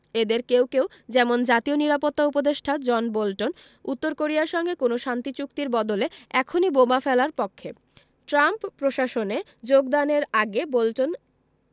এঁদের কেউ কেউ যেমন জাতীয় নিরাপত্তা উপদেষ্টা জন বোল্টন উত্তর কোরিয়ার সঙ্গে কোনো শান্তি চুক্তির বদলে এখনই বোমা ফেলার পক্ষে ট্রাম্প প্রশাসনে যোগদানের আগে বোল্টন